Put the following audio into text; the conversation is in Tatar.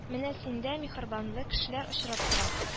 Менә синдәй миһербанлы кешеләр очрап тора